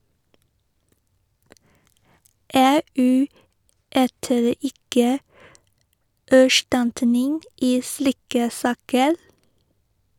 EU yter ikke erstatning i slike saker.